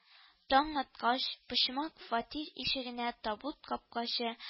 Таң аткач, почмак фатир ишегенә табут капкачы